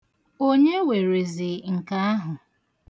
Onye werezi nke ahụ?